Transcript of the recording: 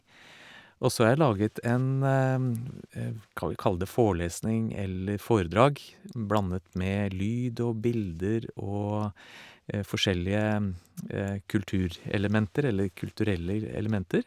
Og så har jeg laget en v kan vi kalle det forelesning eller foredrag, blandet med lyd og bilder og forskjellige kulturelementer eller kulturelle r elementer.